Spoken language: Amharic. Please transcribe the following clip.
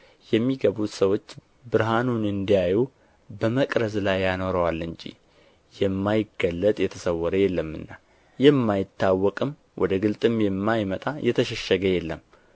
የሚገቡት ሰዎች ብርሃኑን እንዲያዩ በመቅረዝ ላይ ያኖረዋል እንጂ የማይገለጥ የተሰወረ የለምና የማይታወቅም ወደ ግልጥም የማይመጣ የተሸሸገ የለም